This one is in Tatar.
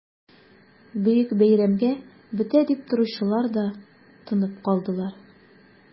Бөек бәйрәмгә бетә дип торучылар да тынып калдылар...